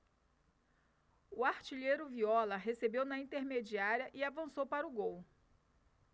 o artilheiro viola recebeu na intermediária e avançou para o gol